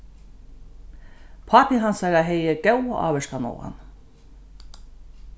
pápi hansara hevði góða ávirkan á hann